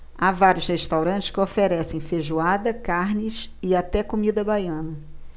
há vários restaurantes que oferecem feijoada carnes e até comida baiana